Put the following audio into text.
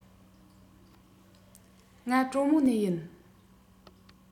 ང གྲོ མོ ནས ཡིན